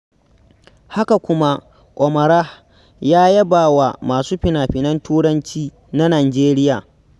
Haka kuma, Omarah ya yaba wa masu finafinan Turanci na Nijeriya.